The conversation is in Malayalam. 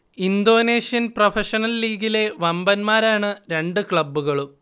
ഇന്തോനേഷ്യൻ പ്രൊഫഷണൽ ലീഗിലെ വമ്പന്മാരാണ് രണ്ട് ക്ലബുകളും